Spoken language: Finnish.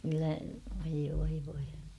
kyllä voi voi voi